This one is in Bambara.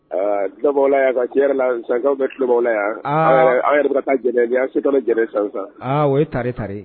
Aa dabɔ la yan ka ci yɛrɛ la san bɛ tulobɔ la yan an yɛrɛ taa jɛnɛ ni an setɔ jɛnɛ san san o ye ta ta ye